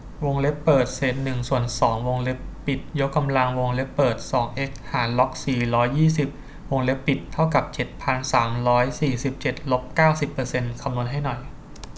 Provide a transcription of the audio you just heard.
วงเล็บเปิดเศษหนึ่งส่วนสองวงเล็บปิดยกกำลังวงเล็บเปิดสองเอ็กซ์หารล็อกสี่ร้อยยี่สิบวงเล็บปิดเท่ากับเจ็ดพันสามร้อยสี่สิบเจ็ดลบเก้าสิบเปอร์เซ็นต์คำนวณให้หน่อย